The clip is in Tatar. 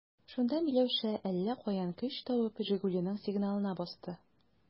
Шунда Миләүшә, әллә каян көч табып, «Жигули»ның сигналына басты.